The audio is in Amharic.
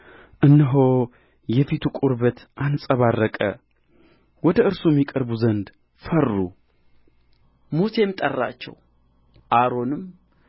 እነሆ የፊቱ ቁርበት አንጸባረቀ ወደ እርሱም ይቀርቡ ዘንድ ፈሩ ሙሴም ጠራቸው አሮንም